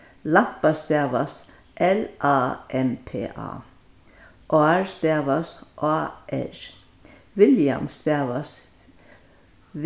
lampa stavast l a m p a ár stavast á r william stavast